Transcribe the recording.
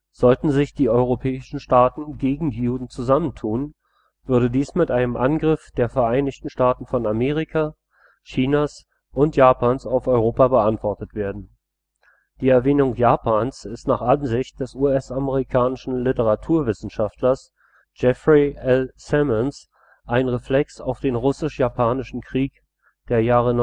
Sollten sich die europäischen Staaten gegen die Juden zusammentun, würde dies mit einem Angriff der Vereinigten Staaten von Amerika, Chinas und Japans auf Europa beantwortet werden. Die Erwähnung Japans ist nach Ansicht des US-amerikanischen Literaturwissenschaftlers Jeffrey L. Sammons ein Reflex auf den Russisch-Japanischen Krieg der Jahre